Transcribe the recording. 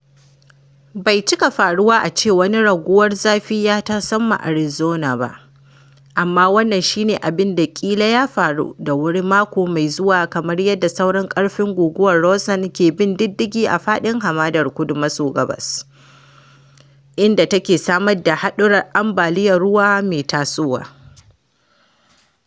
Bai cika faruwa a ce wani raguwar zafi ya tasamma Arizona ba, amma wannan shi ne abin da ƙila ya faru da wuri mako mai zuwa kamar yadda sauran ƙarfin Guguwar Rosan ke bin diddigi a faɗin Hamadar Kudu-maso-gabas, inda take samar da haɗuran ambaliyar ruwa mai tasowa.